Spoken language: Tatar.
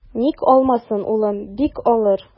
Ник алмасын, улым, бик алыр.